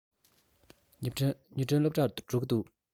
ཉི སྒྲོན སློབ གྲྭར འགྲོ གི འདུག